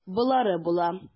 Болары була.